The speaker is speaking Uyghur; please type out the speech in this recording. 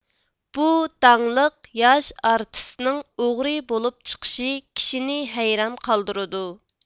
بۇ داڭلىق ياش ئارتىسنىڭ ئوغرى بولۇپ چىقىشى كىشىنى ھەيران قالدۇرىدۇ